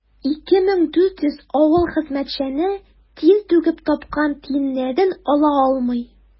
2400 авыл хезмәтчәне тир түгеп тапкан тиеннәрен ала алмый.